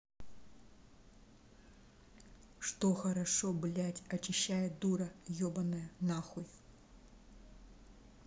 что хорошо блядь очищает дура ебаная нахуй